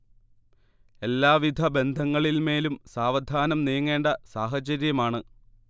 എല്ലാ വിധ ബന്ധങ്ങളിന്മേലും സാവധാനം നീങ്ങേണ്ട സാഹചര്യമാണ്